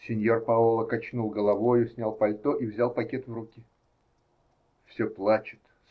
Синьор Паоло качнул головою, снял пальто и взял пакет в руки. -- Все плачет?